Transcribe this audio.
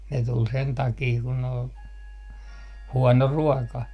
ne tuli sen takia kun oli huono ruoka